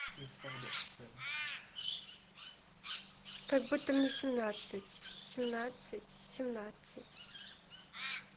как будто мне семнадцать семнадцать семнадцать